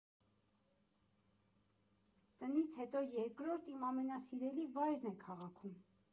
Տնից հետո երկրորդ իմ ամենասիրելի վայրն է քաղաքում։